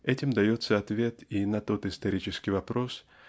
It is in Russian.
Этим дается ответ и на тот исторический вопрос